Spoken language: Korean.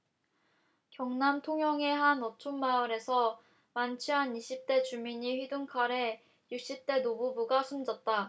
경남 통영의 한 어촌마을에서 만취한 이십 대 주민이 휘둔 칼에 육십 대 노부부가 숨졌다